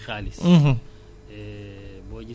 waaw loolu tamit lu wér la jërëjëf Amady